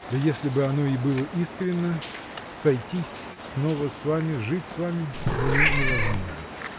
да если бы оно и было искренно, сойтись снова с вами, жить с вами -- мне невозможно.